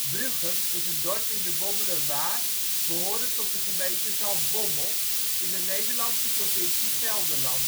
Bruchem is een dorp in de Bommelerwaard, behorend tot de gemeente Zaltbommel, in de Nederlandse provincie Gelderland.